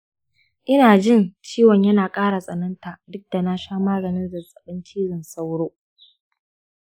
ina jin ciwon yana ƙara tsananta duk da na sha maganin zazzaɓin cizon sauro